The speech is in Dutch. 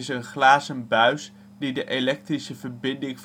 een glazen buis die de elektrische verbinding